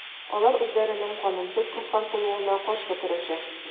Алар үзләренең канунсыз кыскартылуына каршы көрәшә.